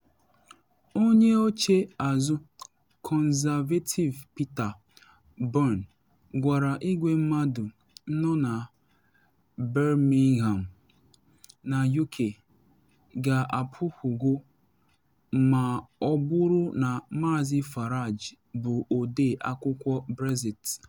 Onye oche azụ Conservative Peter Bone gwara igwe mmadụ nọ na Birmingham na UK “ga-apụgo’ ma ọ bụrụ na Maazị Farage bụ Ọde Akwụkwọ Brexit.